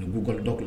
U b'u kɔnɔ dɔ ye